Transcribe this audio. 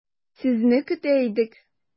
Сезне көтә идек.